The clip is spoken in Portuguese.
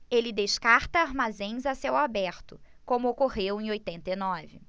ele descarta armazéns a céu aberto como ocorreu em oitenta e nove